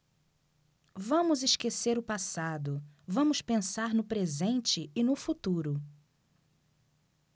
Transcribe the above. vamos esquecer o passado vamos pensar no presente e no futuro